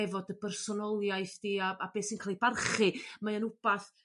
efo dy bersonoliaeth di a a be' sy'n ca'l 'i barchu mae yn wbath